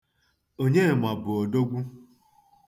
Onyema bụ odogwu.